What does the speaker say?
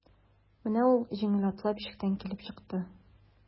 Менә ул җиңел атлап ишектән килеп чыкты.